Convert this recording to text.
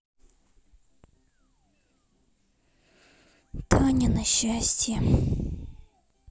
танино счастье